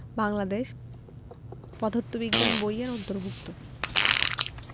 বাংলাদেশ পদার্থ বিজ্ঞান বই এর অন্তর্ভুক্ত